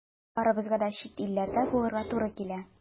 Барыбызга да чит илләрдә булырга туры килә.